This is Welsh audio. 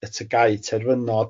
y tygau terfynol.